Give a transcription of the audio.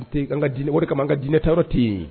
N tɛ an ka diinɛ wari ka an ka diinɛ tayɔrɔ ten yen